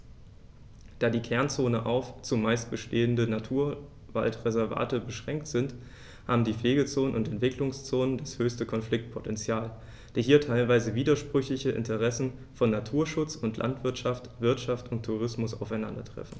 Da die Kernzonen auf – zumeist bestehende – Naturwaldreservate beschränkt sind, haben die Pflegezonen und Entwicklungszonen das höchste Konfliktpotential, da hier die teilweise widersprüchlichen Interessen von Naturschutz und Landwirtschaft, Wirtschaft und Tourismus aufeinandertreffen.